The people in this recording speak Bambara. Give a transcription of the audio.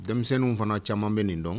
Denmisɛnninw fana caman bɛ nin dɔn.